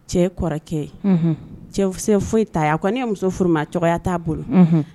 Cɛ kɔrɔkɛ unhun cɛf se foyi t'aa ye a kɔni ye muso furu mais a cogoya t'a bolo unhun